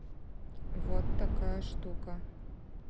вот такая штука